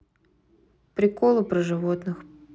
приколы про животных